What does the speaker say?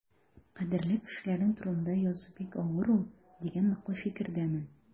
Кадерле кешеләрең турында язу бик авыр ул дигән ныклы фикердәмен.